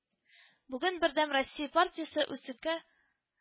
Бүген “Бердәм Россия” партиясе ҮСеКә